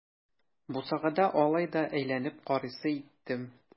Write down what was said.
Бусагада алай да әйләнеп карыйсы иттем.